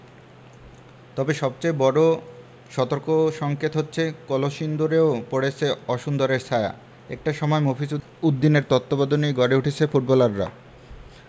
তবে সবচেয়ে বড় সতর্কসংকেত হচ্ছে কলসিন্দুরেও পড়েছে অসুন্দরের ছায়া একটা সময় মফিজ উদ্দিনের তত্ত্বাবধানেই গড়ে উঠেছে ফুটবলাররা